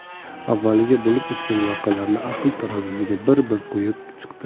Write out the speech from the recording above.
avvaliga bo'lib o'tgan voqealarni aql tarozusiga bir bir qo'yib chiqdi